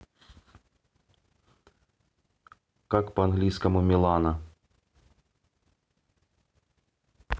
как по английскому милана